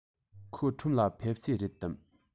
ཁོ ཁྲོམ ལ ཕེབས རྩིས རེད དམ